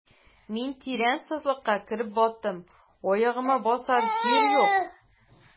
Мин тирән сазлыкка кереп баттым, аягыма басар җир юк.